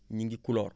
ñu ngi Puloor